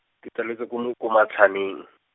ke tsaletswe ko Mo- ko Motlhaneng.